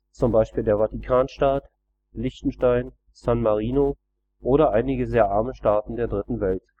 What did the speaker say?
z. B. der Vatikanstaat, Liechtenstein, San Marino oder einige sehr arme Staaten der 3. Welt